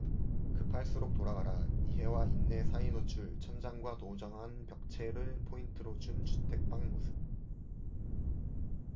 급할수록 돌아가라 이해와 인내 사이노출 천장과 도장한 벽체로 포인트를 준 주택 방 모습